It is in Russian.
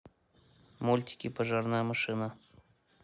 мультики пожарная машина